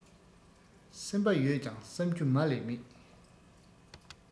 སེམས པ ཡོད ཀྱང བསམ རྒྱུ མ ལས མེད